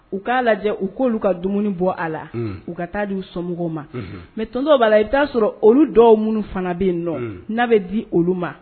U k'a lajɛ u k'olu ka dumuni bɔ a la u ka taa di u somɔgɔw ma mɛ ton dɔ b'a la i t'a sɔrɔ olu dɔw minnu fana bɛ yen nɔ n'a bɛ di olu ma